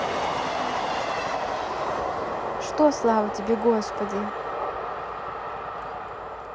что слава тебе господи